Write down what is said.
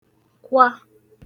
-kwa